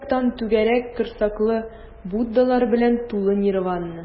Бер яктан - түгәрәк корсаклы буддалар белән тулы нирвана.